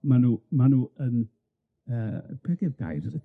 Ma' nw ma' nw yn yy be' 'di'r gair?